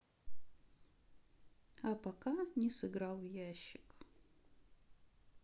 а пока не сыграл в ящик